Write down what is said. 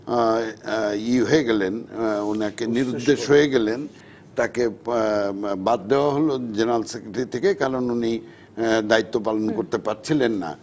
ই হয়ে গেলেন উনাকে নিরুদ্দেশ হয়ে গেলেন তাকে বাদ দেয়া হলো জেনারেল সেক্রেটারি থেকে কারণ উনি দায়িত্ব পালন করতে পারছিলেন না